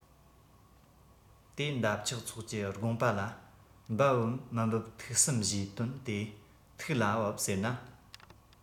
དེ འདབ ཆགས ཚོགས ཀྱི དགོངས པ ལ འབབ བམ མི འབབ ཐུགས བསམ བཞེས དོན དེ ཐུགས ལ བབས ཟེར ན